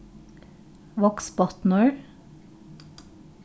vágsbotnur